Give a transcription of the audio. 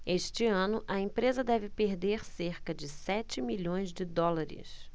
este ano a empresa deve perder cerca de sete milhões de dólares